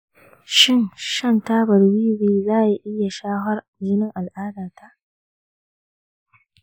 shin shan tabar wiwi zai iya shafar jinin al’adata?